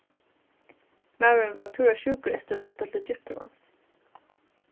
maðurin var púra sjúkur eftir at sleppa til egyptalands